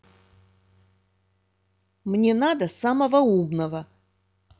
мне надо самого умного